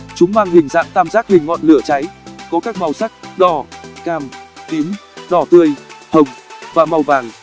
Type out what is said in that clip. chúng mang hình dạng tam giác hình ngọn lửa cháy có các màu sắc đỏ cam tím đỏ tươi hồng và màu vàng